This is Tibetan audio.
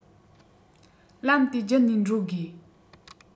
ལམ དེ བརྒྱུད ནས འགྲོ དགོས